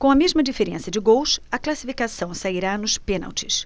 com a mesma diferença de gols a classificação sairá nos pênaltis